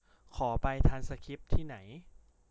ขอใบทรานสคริปต์ที่ไหน